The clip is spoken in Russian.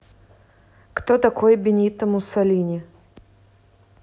кто такой бенито муссолини